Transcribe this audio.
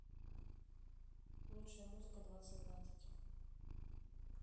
лучшая музыка двадцать двадцать